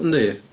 Yndi.